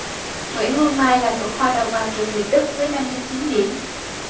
nguyễn hương mai là thủ khoa đầu vào trường việt đức với năm mươi chín điểm